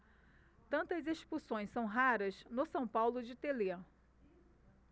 tantas expulsões são raras no são paulo de telê